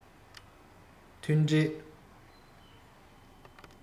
མཐུན སྒྲིལ